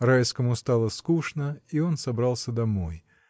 Райскому стало скучно, и он собрался домой.